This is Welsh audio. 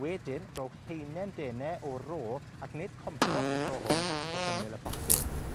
Wedyn rhowch haenen denau o ro, ac nid compost y tro hwn, wrth ymyl y potyn.